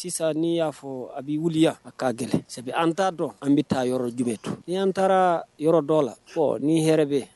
Sisan n'i y'a fɔ a b'i wuliya a'a gɛlɛn sabu an t'a dɔn an bɛ taa yɔrɔ jumɛn to n anan taara yɔrɔ dɔ la ɔ ni'i hɛrɛ bɛ